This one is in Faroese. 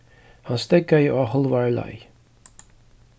hann steðgaði á hálvari leið